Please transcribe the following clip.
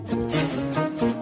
San